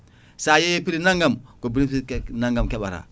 sa yeyi prix nagam ko bénéfice nagam keeɓata